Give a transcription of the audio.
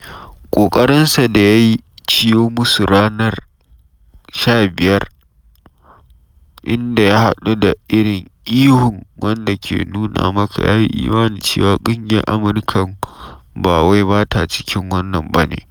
Ƙoƙarinsa da ya ciyo musu wasan ranar 15 inda ya haɗu da irin ihun, wanda ke nuna maka ya yi imani cewa ƙungiyar Amurkan ba wai ba ta cikin wannan ba ne.